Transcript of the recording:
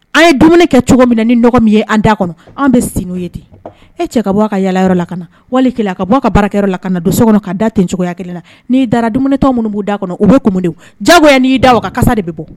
An ye dumuni kɛ cogo min na ni min ye an da kɔnɔ an bɛ sin ni o ye, e cɛ ka bɔ a ka yaalayɔrɔ la ka na, wali ka bɔ a ka baarayɔrɔ la ka na don so kɔnɔ k'a da ten cogoya kelen na n'i dara dumuni tɔ minnu b'i da kɔnɔ o bɛ kunumu de wo, diyago n''i da o ka kasa de bɛ bɔ